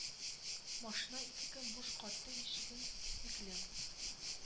Машина ике көн буш кайтты ишегең бикле